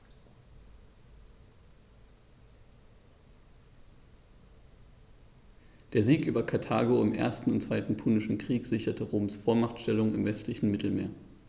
Der Sieg über Karthago im 1. und 2. Punischen Krieg sicherte Roms Vormachtstellung im westlichen Mittelmeer.